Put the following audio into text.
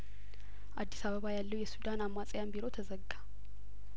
አዲስ አበባ ያለው የሱዳን አማጽያን ቢሮ ተዘጋ